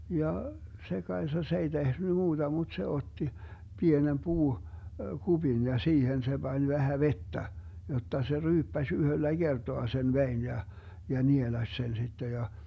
ja se Kaisa se ei tehnyt muuta mutta se otti pienen - puukupin ja siihen se pani vähän vettä jotta se ryyppäsi yhdellä kertaa sen veden ja ja nielaisi sen sitten ja